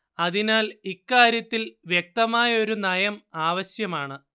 അതിനാല്‍ ഇക്കാര്യത്തില്‍ വ്യക്തമായ ഒരു നയം ആവശ്യമാണ്